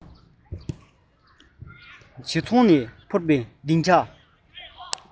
བྱེའུ ཚང ནས འཕུར པའི གདེང ཆ ནི